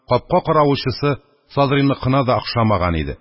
Капка каравылчы садриныкына да охшамаган иде.